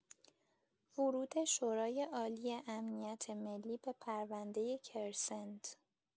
ورود شورای‌عالی امنیت ملی به پرونده کرسنت